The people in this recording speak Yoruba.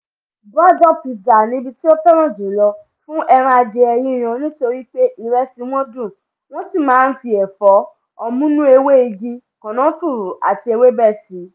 Brador Pizza ni ibi tí a fẹ́ràn júlọ fún ẹran adìẹ yíyan nítorí pé ìrẹsì wọn dùn, wọ́n sì máa ń fi ẹ̀fọ́, ọ̀múnú ewé igi kànáńfùrù àti ewébẹ̀ síi